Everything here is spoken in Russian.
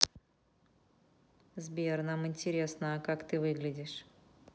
сбер нам интересно а как ты выглядишь